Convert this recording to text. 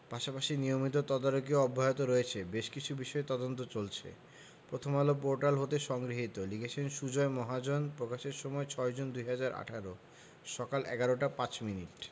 পাশাপাশি নিয়মিত তদারকিও অব্যাহত রয়েছে বেশ কিছু বিষয়ে তদন্ত চলছে প্রথমআলো পোর্টাল হতে সংগৃহীত লিখেছেন সুজয় মহাজন প্রকাশের সময় ৬জুন ২০১৮ সকাল ১১টা ৫ মিনিট